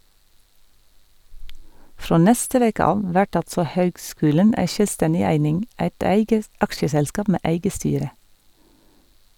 Frå neste veke av vert altså høgskulen ei sjølvstendig eining, eit eige aksjeselskap med eige styre.